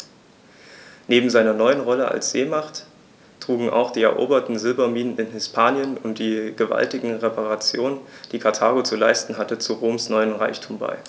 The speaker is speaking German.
Neben seiner neuen Rolle als Seemacht trugen auch die eroberten Silberminen in Hispanien und die gewaltigen Reparationen, die Karthago zu leisten hatte, zu Roms neuem Reichtum bei.